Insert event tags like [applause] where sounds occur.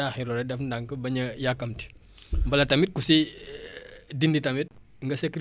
[noise] mbala tamit ku si [hesitation] dindi tamit nga sécuriser ko dugal ko foo xamante ne ndox du ko laal